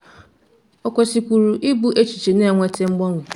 Ò kwesikwuru ịbụ echiche na-eweta mgbanwe?